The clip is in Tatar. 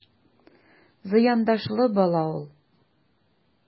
Зыяндашлы бала ул...